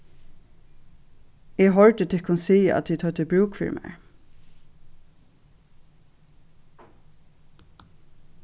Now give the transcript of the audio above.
eg hoyrdi tykkum siga at tit høvdu brúk fyri mær